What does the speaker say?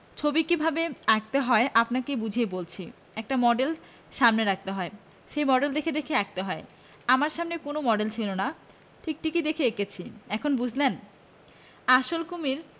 ছবি কি ভাবে আঁকতে হয় আপনাকে বুঝিয়ে বলছি একটা মডেল সামনে রাখতে হয় সেই মডেল দেখে দেখে আঁকতে হয় আমার সামনে কোন মডেল ছিল না টিকটিকি দেখে এঁকেছি এখন বুঝলেন আসল কমীর